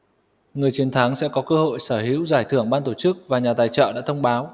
người chiến thắng sẽ có cơ hội sở hữu giải thưởng ban tổ chức và nhà tài trợ đã thông báo